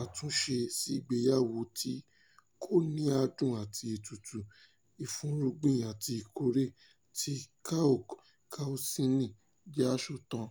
àtúnṣe sí ìgbéyàwó tí kò ní adùn àti ètùtù ìfọ́nrúgbìn àti ìkórè tí Khoeuk Keosineam jẹ́ asọ̀tàn.